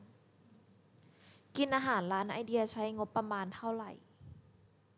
กินอาหารร้านไอเดียใช้งบประมาณเท่าไหร่